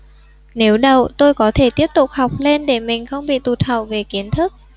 nếu đậu tôi có thể tiếp tục học lên để mình không bị tụt hậu về kiến thức